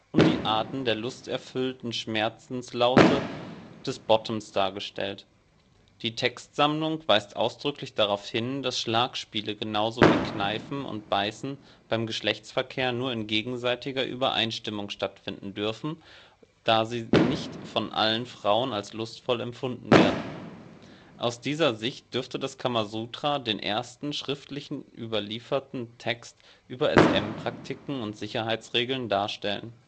und die Arten der lusterfüllten Schmerzenslaute des Bottoms dargestellt. Die Textsammlung weist ausdrücklich darauf hin, dass Schlagspiele genauso wie Kneifen und Beißen beim Geschlechtsverkehr nur in gegenseitiger Übereinstimmung stattfinden dürfen, da sie nicht von allen Frauen als lustvoll empfunden werden. Aus dieser Sicht dürfte das Kamasutra den ersten schriftlich überlieferten Text über SM-Praktiken und - Sicherheitsregeln darstellen